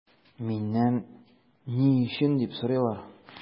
Миннән “ни өчен” дип сорыйлар.